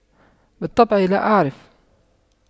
بالطبع لا أعرف